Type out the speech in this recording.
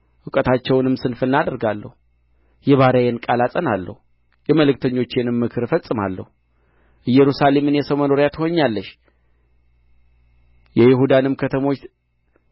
እውቀታቸውንም ስንፍና አደርጋለሁ የባሪያዬን ቃል አጸናለሁ የመልእክተኞቼንም ምክር እፈጽማለሁ ኢየሩሳሌምን የሰው መኖሪያ ትሆኛለሽ የይሁዳንም ከተሞች